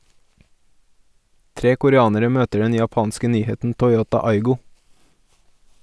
Tre koreanere møter den japanske nyheten Toyota Aygo.